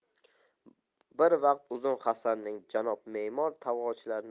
bir vaqt uzun hasanning janob memor tavochilar